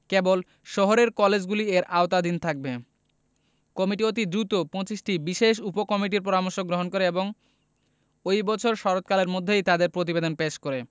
কেবল শহরের কলেজগুলি এর আওতাধীন থাকবে কমিটি অতি দ্রুত ২৫টি বিশেষ উপকমিটির পরামর্শ গ্রহণ করে এবং ওই বছর শরৎকালের মধ্যেই তাদের প্রতিবেদন পেশ করে